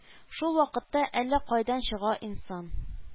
Шул вакытта әллә кайдан чыга инсан